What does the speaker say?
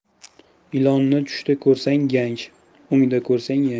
ilonni tushda ko'rsang ganj o'ngda ko'rsang yanch